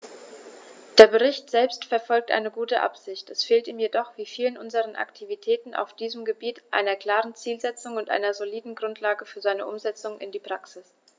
Der Bericht selbst verfolgt eine gute Absicht, es fehlt ihm jedoch wie vielen unserer Aktivitäten auf diesem Gebiet an einer klaren Zielsetzung und einer soliden Grundlage für seine Umsetzung in die Praxis.